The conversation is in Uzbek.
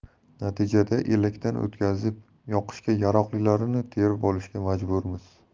natijada elakdan o'tkazib yoqishga yaroqlilarini terib olishga majburmiz